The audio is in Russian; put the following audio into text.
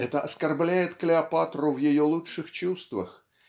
-- это оскорбляет Клеопатру в ее лучших чувствах.